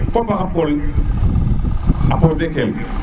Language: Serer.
foppa poser kel